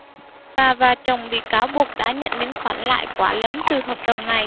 bà và chồng bị cáo buộc đã nhận những khoản lại quả lớn từ hợp đồng này